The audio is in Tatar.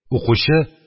Укучы